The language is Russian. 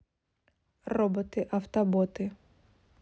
роботы автоботы